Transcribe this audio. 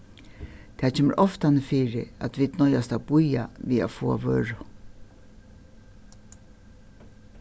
tað kemur oftani fyri at vit noyðast at bíða við at fáa vøru